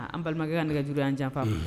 A balimakɛ ka an ne ka juguya jugu an jan